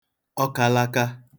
ọkalaka